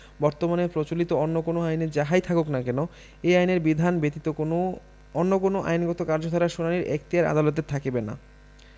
বর্তমানে প্রচলিত অন্য কোন আইনে যাহাই থাকুক না কেন এই আইনের বিধান ব্যতীত অন্য কোন আইনগত কার্যধারার শুনানীর এখতিয়ার আদালতের থাকিবে না